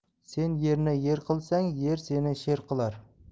sen yerni yer qilsang yer seni sher qilar